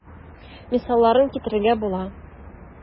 Мисалларын китерергә була.